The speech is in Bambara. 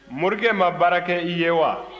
morikɛ ma baara kɛ i ye wa